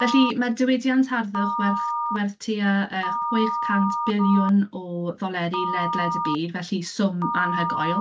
Felly, mae'r diwydiant harddwch werch werth tua yy chwech cant biliwn o ddoleri ledled y byd, felly swm anhygoel.